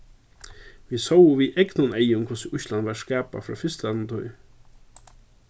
vit sóu við egnum eygum hvussu ísland varð skapað frá fyrstani tíð